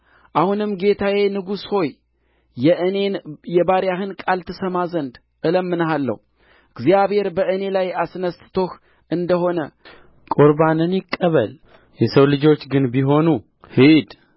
አሁንም ጌታዬ ንጉሥ ሆይ የእኔን የባሪያህን ቃል ትሰማ ዘንድ እለምንሃለሁ እግዚአብሔር በእኔ ላይ አስነሥቶህ እንደ ሆነ ቁርባንን ይቀበል የሰው ልጆች ግን ቢሆኑ ሂድ